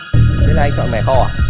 thế là anh chọn mẻ kho à